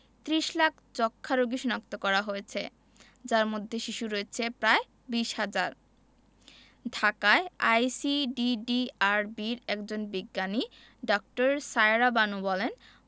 ৩০ লাখ যক্ষ্মা রোগী শনাক্ত করা হয়েছে যার মধ্যে শিশু রয়েছে প্রায় ২০ হাজার ঢাকায় আইসিডিডিআরবির একজন বিজ্ঞানী ড. সায়েরা বানু বলেন